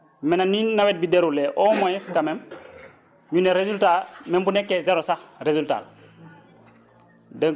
mais nag ni nawet bi déroulé au moins quand même ñu ne résultat même bu nekkee zéro sax résultat la